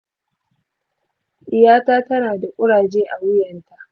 ɗiyata tana da kuraje a wuyanta.